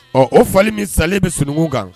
Ɔ o fali min salen bɛ sununkun kan